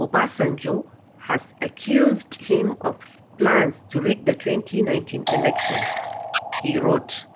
Obasanjo has accused him of plans to rig the 2019 elections. He wrote: